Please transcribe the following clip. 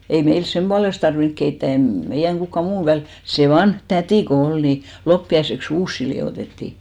ei meillä sen puolesta tarvinnut keittää ei meidän kukaan muu väli se vanha täti kun oli niin loppiaiseksi uusia liotettiin